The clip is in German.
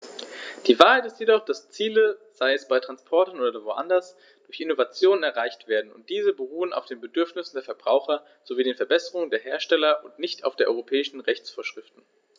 Die Wahrheit ist jedoch, dass Ziele, sei es bei Transportern oder woanders, durch Innovationen erreicht werden, und diese beruhen auf den Bedürfnissen der Verbraucher sowie den Verbesserungen der Hersteller und nicht nur auf europäischen Rechtsvorschriften.